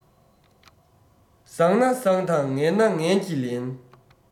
བཟང ན བཟང དང ངན ན ངན གྱི ལན